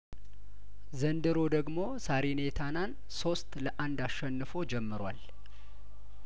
ዘንድሮ ደግሞ ሳሬኒታናን ሶስት ለአንድ አሸንፎ ጀምሯል